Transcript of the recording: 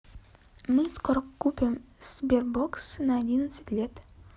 мы скоро купим sberbox на одиннадцать лет